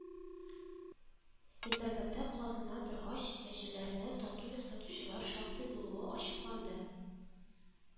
Интернетта казына торгач, мәчеләренә тату ясатучылар шактый булуы ачыкланды